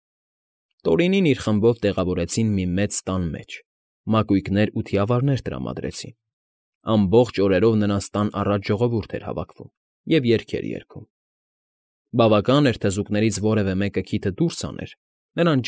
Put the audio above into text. Տորինին իր խմբով տեղավորեցին մի մեծ տան մեջ, մակույկներ ու թիավարներ տրամադրեցին, ամբողջ օրերով նրանց տան առաջ ժողովուրդ էր հավաքվում և երգեր երգում. բավական էր թզուկներից որևէ մեկը քիթը դուրս հաներ, նրան։